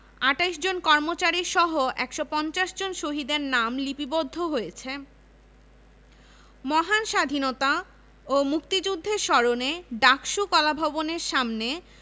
মরণোত্তর সাহিত্য ১৯৮০ ড. সিরাজুল হক ইসলামের ইতিহাস ও সংস্কৃতি বিভাগ শিক্ষা ১৯৮৩